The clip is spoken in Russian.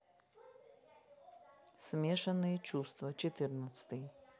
смешанные чувства четырнадцатый